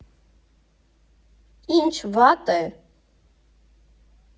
Ի՞նչ վատ է։